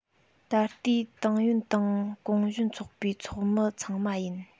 ད ལྟའི ཏང ཡོན དང གུང གཞོན ཚོགས པའི ཚོགས མི ཚང མ ཡིན